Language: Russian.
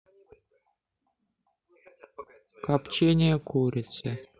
копчение курицы